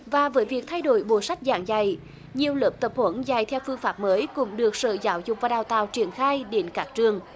và với việc thay đổi bộ sách giảng dạy nhiều lớp tập huấn dạy theo phương pháp mới cũng được sở giáo dục và đào tạo triển khai đến các trường